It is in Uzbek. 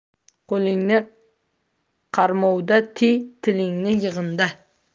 qo'lingni qarmovda tiy tilingni yig'inda